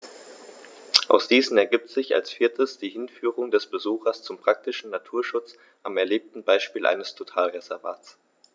Aus diesen ergibt sich als viertes die Hinführung des Besuchers zum praktischen Naturschutz am erlebten Beispiel eines Totalreservats.